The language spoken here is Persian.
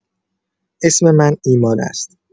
اسم من ایمان است.